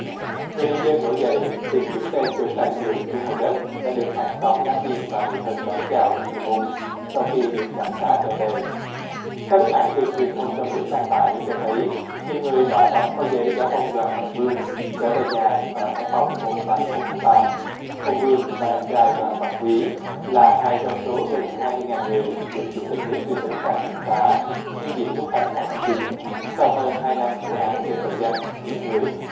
người nông dân nổi dậy từng đứng lên chống lại lượng thu hồi đất đã được hàng xóm láng giềng và người thân đón chào như người hùng sau khi được đặc xá trở về các bức ảnh được truyền thông trong nước đăng tải cho thấy nhiều người đã bắn pháo giấy đó ông đoàn văn vươn trở về nhà ở hải phòng hôm ba mốt tháng tám ông vươn và em trai đoàn văn quý là hai trong số gần hai mươi ngàn người được chủ tịch nước trương tấn sang ân xá nhân dịp quốc khánh hai tháng chín sau hơn hai năm thụ án về tội danh giết người